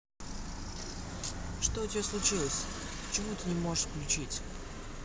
что у тебя случилось почему ты не можешь включить